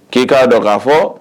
Ki ka dɔn ka fɔ